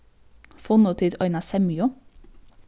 funnu tit eina semju